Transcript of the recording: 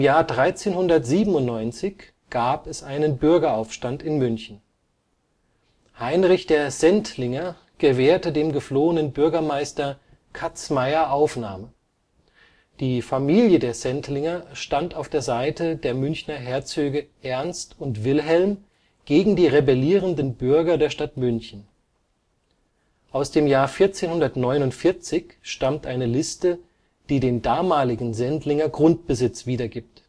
1397 gab es einen Bürgeraufstand in München. Heinrich der Sentlinger gewährte dem geflohenen Bürgermeister Kazmair Aufnahme, die Familie der Sentlinger stand auf der Seite der Münchner Herzöge Ernst und Wilhelm gegen die rebellierenden Bürger der Stadt München. Aus dem Jahr 1449 stammt eine Liste, die den damaligen Sendlinger Grundbesitz wiedergibt